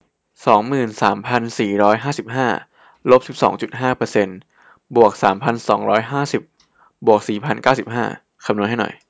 สองหมื่นสามพันสี่ร้อยห้าสิบห้าลบสิบสองจุดห้าเปอร์เซนต์บวกสามพันสองร้อยห้าสิบบวกสี่พันเก้าสิบห้าคำนวณให้หน่อย